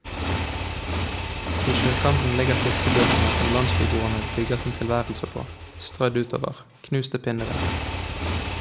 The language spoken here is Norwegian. I sjøkanten ligger fiskebåtene som landsbyboerne bygger sin tilværelse på, strødd utover, knust til pinneved.